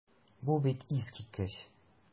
Бу бит искиткеч!